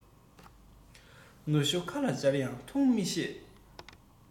ནུ ཞོ ཁ ལ སྦྱར ཡང འཐུང མི ཤེས